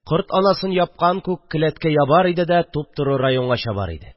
Корт анасын япкан күк келәткә ябар иде дә, туп-туры районга чабар иде